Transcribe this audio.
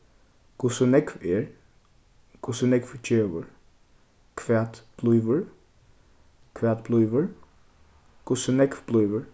hvussu nógv er hvussu nógv gevur hvat blívur hvat blívur hvussu nógv blívur